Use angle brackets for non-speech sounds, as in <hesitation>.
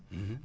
<hesitation> <hesitation>